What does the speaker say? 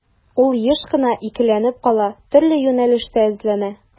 Ул еш кына икеләнеп кала, төрле юнәлештә эзләнә.